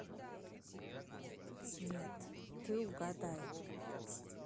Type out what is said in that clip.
нет ты угадай